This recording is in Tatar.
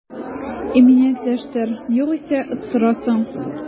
Иминиятләштер, югыйсә оттырасың